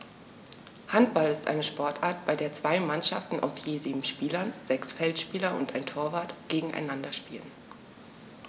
Handball ist eine Sportart, bei der zwei Mannschaften aus je sieben Spielern (sechs Feldspieler und ein Torwart) gegeneinander spielen.